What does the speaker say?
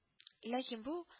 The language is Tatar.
Ләкин бу